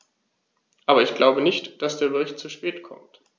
Aber ich glaube nicht, dass der Bericht zu spät kommt.